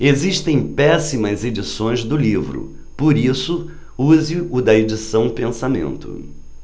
existem péssimas edições do livro por isso use o da edição pensamento